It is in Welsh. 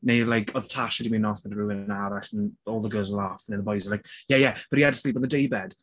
Neu like oedd Tasha 'di mynd off 'da rhywun arall and all the girls were laughing and the boys were like "yeah yeah but he had to sleep on the day bed".